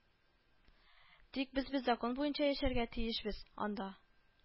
Тик без бит закон буенча яшәргә тиешбез, анда